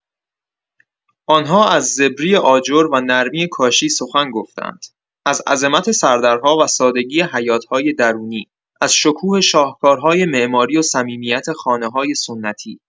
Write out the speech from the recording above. آن‌ها از زبری آجر و نرمی کاشی سخن گفته‌اند، از عظمت سردرها و سادگی حیاط‌های درونی، از شکوه شاهکارهای معماری و صمیمیت خانه‌های سنتی.